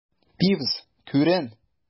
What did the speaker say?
Пивз, күрен!